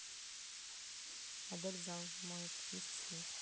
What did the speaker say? адель зал поет вместе с ней